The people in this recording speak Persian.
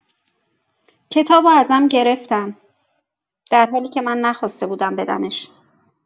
کتاب رو ازم گرفتن، در حالی که من نخواسته بودم بدمش.